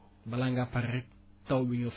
balaa ngaa pare rekk taw bi ñëw